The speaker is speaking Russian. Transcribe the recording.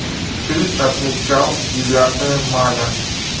ты отмечал девятое мая